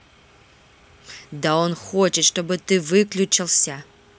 да он хочет чтобы ты выключился